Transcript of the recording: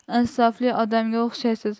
insofli odamga o'xshaysiz